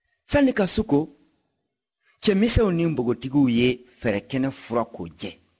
sani ka su ko cɛmisɛnw ni npogotigiw ye fɛrɛkɛnɛ furan k'o jɛ